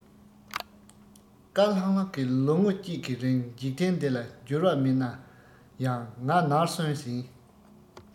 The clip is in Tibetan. དཀར ལྷང ལྷང གི ལོ ངོ གཅིག གི རིང འཇིག རྟེན འདི ལ འགྱུར བ མེད ན ཡང ང ནར སོན ཟིན